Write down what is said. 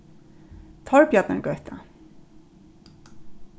torbjarnargøta